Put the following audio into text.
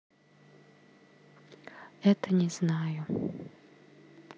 это не знаю